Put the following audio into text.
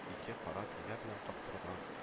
Ике кара төймә белән каптырылган